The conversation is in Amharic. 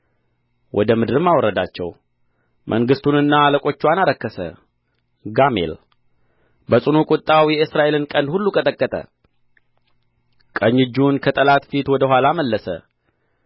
ወደ ምድርም አወረዳቸው መንግሥቱንና አለቆችዋን አረከሰ ጋሜል በጽኑ ቍጣው የእስራኤልን ቀንድ ሁሉ ቀጠቀጠ ቀኝ እጁን ከጠላት ፊት ወደ ኋላ መለሰ